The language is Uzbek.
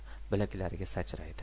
bilaklariga sachraydi